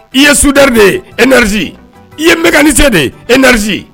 I ye soudeur de ye energie i ye mecanicien de ye energie!